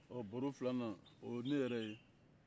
ɔ baro filanan o ye ne yɛrɛ ye